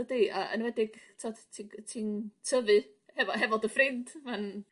dydi? A yn wedig t'od ti'n g- ti'n tyfu hefo hefo dy ffrind ma'n...